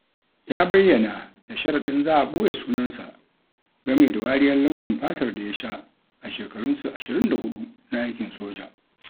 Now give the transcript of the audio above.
Ya bayyana da sharaɗin za a ɓoye sunansa gami da wariyar launin fatar da ya sha a shekarunsa 24 na aikin soja: